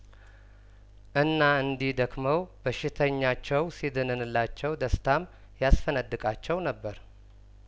እና እንዲህ ደክመው በሽተኛቸው ሲድንላቸው ደስታ ያስፈነድ ቃቸው ነበር